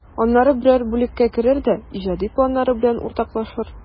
Аннары берәр бүлеккә керер дә иҗади планнары белән уртаклашыр.